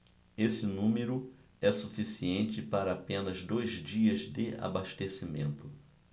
esse número é suficiente para apenas dois dias de abastecimento